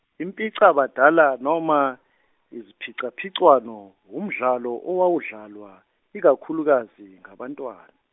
impicabadala noma iziphicaphicwano umdlalo owawudlalwa, ikakhulukazi ngabantwan-.